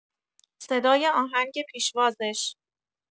صدای آهنگ پیشوازش